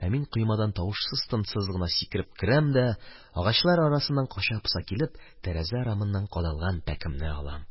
Ә мин коймадан тавышсыз-тынсыз гына сикереп керәм дә, агачлар арасыннан кача-поса килеп, тәрәзә рамына кадалган пәкемне алам.